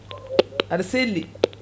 aɗa selli